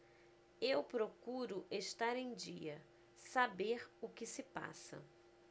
eu procuro estar em dia saber o que se passa